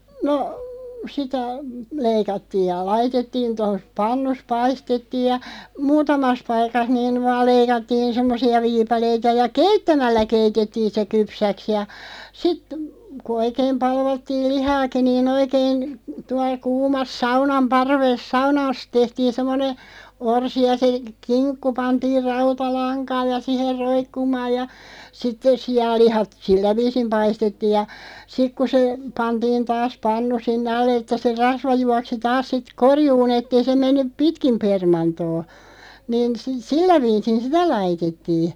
no sitä leikattiin ja laitettiin tuossa pannut paistettiin ja muutamassa paikassa niin vain leikattiin semmoisia viipaleita ja keittämällä keitettiin se kypsäksi ja sitten kun oikein palvattiin lihaakin niin oikein tuolla kuumassa saunan parvessa saunassa tehtiin semmoinen orsi ja se kinkku pantiin rautalankaan ja siihen roikkumaan ja sitten sianlihat sillä viisiin paistettiin ja sitten kun se pantiin taas pannu sinne alle että se rasva juoksi taas sitten korjuun että ei se mennyt pitkin permantoa niin - sillä viisiin sitä laitettiin